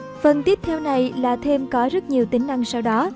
phần tiếp theo này là thêm có rất nhiều tính năng sau đó